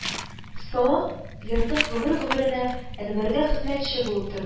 Салах Ертык гомер-гомеренә Әнвәрдә хезмәтче булып торды